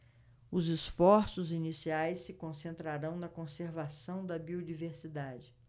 os esforços iniciais se concentrarão na conservação da biodiversidade